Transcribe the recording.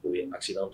O ye ka sira